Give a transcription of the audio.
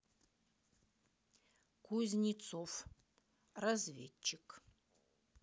кузнецов разведчик